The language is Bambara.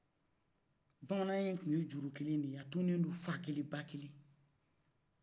bamananya tun ye juru kelen denye a dɔnedo fakelenn bakelen